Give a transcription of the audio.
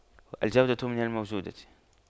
الجودة من الموجودة